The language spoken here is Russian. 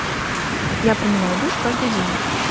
я принимаю душ каждый день